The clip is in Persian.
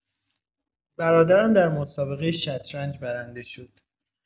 برادرم در مسابقۀ شطرنج برنده شد.